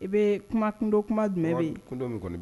I bɛ kuma kundo kuma jumɛn bɛ kundo kɔnɔ